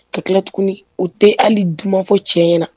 Ka tila tugun o tɛ hali dunumafɔ cɛy na